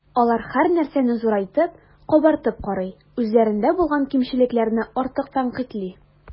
Алар һәрнәрсәне зурайтып, “кабартып” карый, үзләрендә булган кимчелекләрне артык тәнкыйтьли.